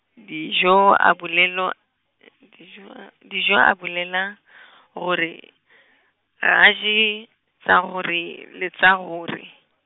Dijo a bolelwa , Dijo a, Dijo a bolela , gore, ga je, sa gore, le sa gore.